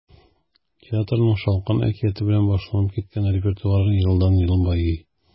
Театрның “Шалкан” әкияте белән башланып киткән репертуары елдан-ел байый.